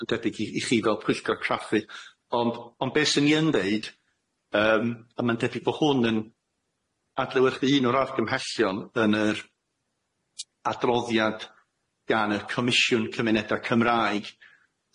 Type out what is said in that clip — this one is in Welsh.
Yn debyg i i chi fel pwyllgor craffu ond ond be' swn i yn ddeud yym a ma'n debyg bo' hwn yn adlewyrchu un o'r argymhellion yn yr adroddiad gan y Comisiwn Cymunedau Cymraeg